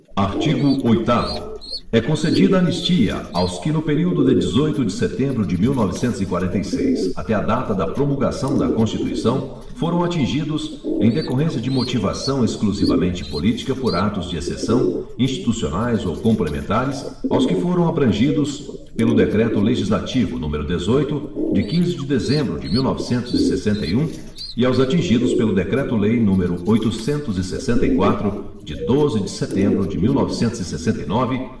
artigo oitavo é concedida anistia aos que no período de dezoito de setembro de mil novecentos e quarenta e seis até a data da promulgação da constituição foram atingidos em decorrência de motivação exclusivamente política por atos de exceção institucionais ou complementares aos que foram abrangidos pelo decreto legislativo número dezoito de quinze de dezembro de mil novecentos e sessenta e um e aos atingidos pelo decreto lei número oitocentos e sessenta e quatro de doze de setembro de mil novecentos e sessenta e nove